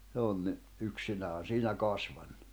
se on niin yksinään siinä kasvanut